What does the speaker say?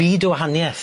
Byd o wahanieth.